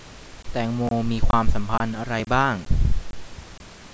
แตงโมมีความสัมพันธ์อะไรบ้าง